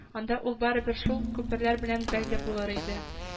Анда ул барыбер шул күперләр белән бәйле булыр иде